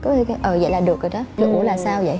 cứ như thế ừ vậy là được rồi đó ủa là sao dậy